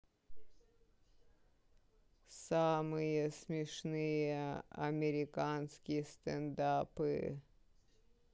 самые смешные американские стендапы